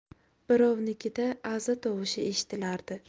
birovnikida aza tovushi eshitilardi